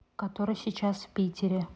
который час в питере